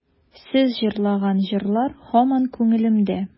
Сез җырлаган җырлар һаман күңелемдә.